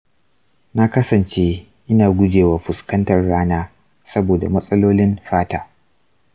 na kasance ina guje wa fuskantar rana saboda matsalolin fata.